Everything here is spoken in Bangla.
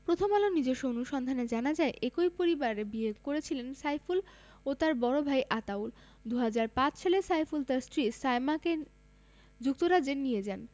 প্রথম আলোর নিজস্ব অনুসন্ধানে জানা যায় একই পরিবারে বিয়ে করেছিলেন সাইফুল ও তাঁর বড় ভাই আতাউল ২০০৫ সালে সাইফুল তাঁর স্ত্রী সায়মাকে যুক্তরাজ্যে নিয়ে যান